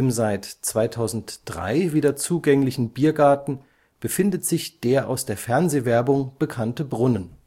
seit 2003 wieder zugänglichen Biergarten befindet sich der aus der Fernsehwerbung bekannte Brunnen